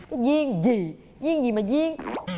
cái duyên gì duyên gì mà duyên